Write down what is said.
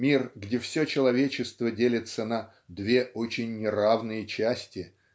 мир, где все человечество делится на "две очень неравные части